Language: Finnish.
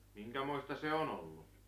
Minkämoista se on ollut